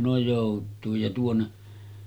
no joutuin ja tuonne